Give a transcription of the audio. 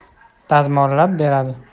dazmollab beradi